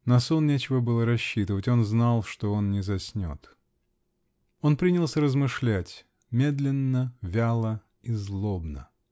На сон нечего было рассчитывать: он знал, что он не заснет. Он принялся размышлять. медленно, вяло и злобно.